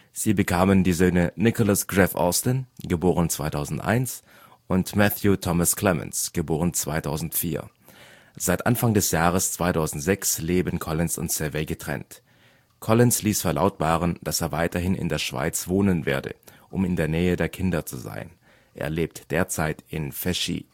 Sie bekamen die Söhne Nicholas Grev Austin (* 2001) und Matthew Thomas Clemence (* 2004). Seit Anfang des Jahres 2006 leben Collins und Cevey getrennt. Collins ließ verlautbaren, dass er weiterhin in der Schweiz wohnen werde, um in der Nähe der Kinder zu sein. Er lebt derzeit in Féchy